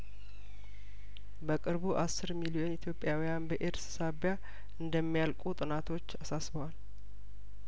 በቅርቡ አስር ሚሊዮን ኢዮት ጵያውያን በኤድስ ሳቢያእንደሚ ያልቁ ጥናቶች አሳ ስበዋል